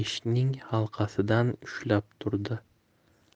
eshikning halqasidan ushlab turdi